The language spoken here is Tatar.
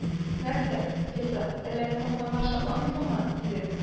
—нәрсә, ертык, әллә мин кайтканга шатланмыйсыңмы?—диде